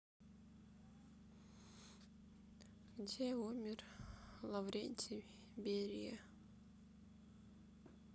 где умер лаврентий берия